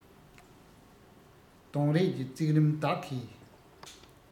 གདོང རས ཀྱི བརྩེགས རིམ བདག གིས